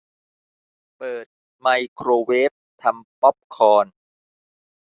เปิดไมโครเวฟทำป๊อปคอร์น